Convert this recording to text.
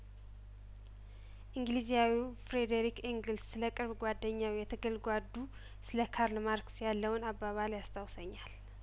እንግሊዛዊው ፍሬዴሪክ ኤንግልስ ስለቅርብ ጓደኛው የትግል ጓዱ ስለካርል ማርክ ስያለውን አባባል ያስታውሰኛል